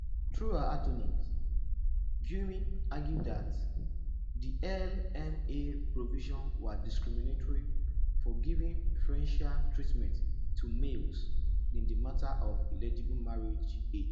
Through her attorneys, Gyumi argued that the LMA provisions were discriminatory for giving preferential treatment to males in the matter of eligible marriage age.